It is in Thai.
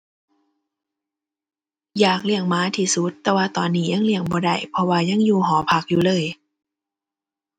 อยากเลี้ยงหมาที่สุด แต่ว่าตอนนี้ยังเลี้ยงบ่ได้ เพราะว่ายังอยู่หอพักอยู่เลย